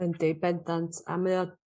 Yndi bendant, a mae o